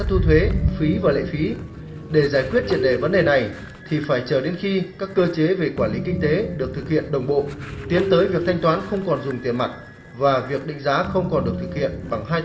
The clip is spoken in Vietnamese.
thất thu thuế phí và lệ phí để giải quyết triệt để vấn đề này thì phải chờ đến khi các cơ chế về quản lý kinh tế được thực hiện đồng bộ tiến tới việc thanh toán không còn dùng tiền mặt và việc định giá không còn được thực hiện bằng hai